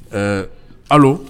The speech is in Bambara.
Ɛɛ allo